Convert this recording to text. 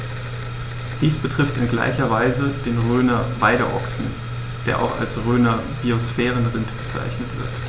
Dies betrifft in gleicher Weise den Rhöner Weideochsen, der auch als Rhöner Biosphärenrind bezeichnet wird.